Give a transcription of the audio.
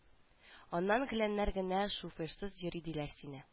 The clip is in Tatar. Аннан геләннәр генә шуфыйрсыз йөри диләр сине